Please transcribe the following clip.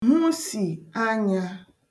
hụsì anyā